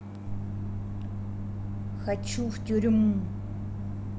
хочу в тюрьму